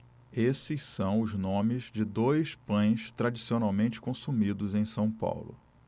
esses são os nomes de dois pães tradicionalmente consumidos em são paulo